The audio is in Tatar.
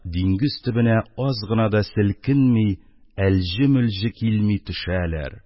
Диңгез төбенә аз гына да селкенми, әлҗе-мөлҗе килми төшәләр,